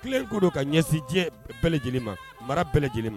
Tilelen ko don ka ɲɛsin diɲɛ bɛɛ lajɛlen ma mara bɛɛlɛ lajɛlen ma